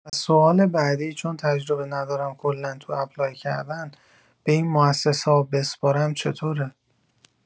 و سوال بعدی چون تجربه ندارم کلا تو اپلای کردن به این موسسه‌ها بسپارم چطوره؟